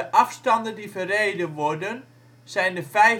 afstanden die verreden worden zijn